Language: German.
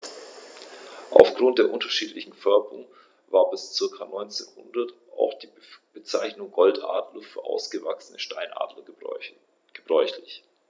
Auf Grund der unterschiedlichen Färbung war bis ca. 1900 auch die Bezeichnung Goldadler für ausgewachsene Steinadler gebräuchlich.